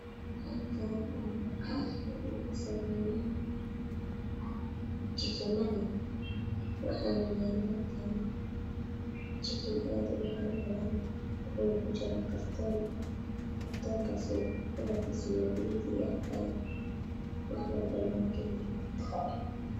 Halkaan waa maqaar lagu sameeyo jijimada waxaana yaalo halkan jijin aad umacaan badan waxa uuna ku jiraa kartoon kartoonkaas oo kalarkiisu yahay guduud iyo cadaan wax walbana waad ka heli kartaa